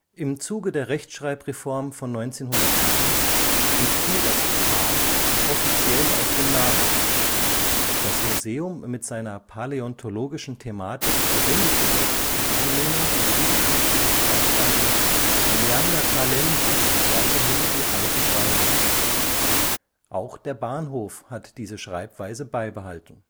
Im Zuge der Rechtschreibreform von 1901 entfiel das „ h “offiziell aus dem Namen; das Museum mit seiner paläontologischen Thematik verwendet jedoch in Anlehnung an die wissenschaftliche Schreibweise „ neanderthalensis “weiterhin die alte Schreibung. Auch der Bahnhof hat diese Schreibweise beibehalten